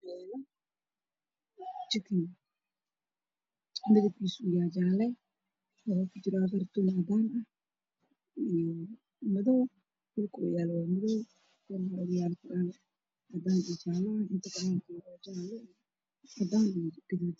Waa jikin oo jaale ah wuxuu ku jiraa meel caddaan ah meesha uu yaalana waa meel madow ah